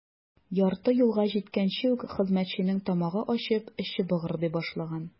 Ярты юлга җиткәнче үк хезмәтченең тамагы ачып, эче быгырдый башлаган.